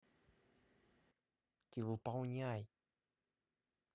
ты выполняй